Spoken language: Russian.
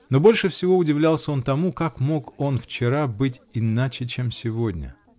Но больше всего удивлялся он тому: как мог он вчера быть иначе, чем сегодня?